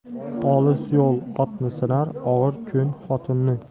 olis yo'l otni sinar og'ir kun xotinni